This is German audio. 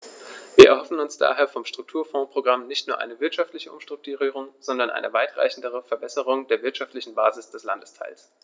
Wir erhoffen uns daher vom Strukturfondsprogramm nicht nur eine wirtschaftliche Umstrukturierung, sondern eine weitreichendere Verbesserung der wirtschaftlichen Basis des Landesteils.